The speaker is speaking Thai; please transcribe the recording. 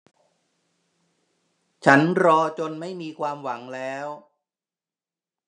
ฉันรอจนไม่มีความหวังแล้ว